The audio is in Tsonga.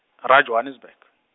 ra Johannesburg.